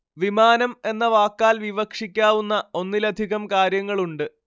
വിമാനം എന്ന വാക്കാൽ വിവക്ഷിക്കാവുന്ന ഒന്നിലധികം കാര്യങ്ങളുണ്ട്